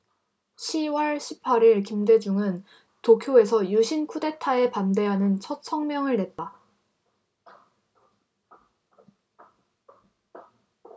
시 월 십 팔 일 김대중은 도쿄에서 유신 쿠데타에 반대하는 첫 성명을 냈다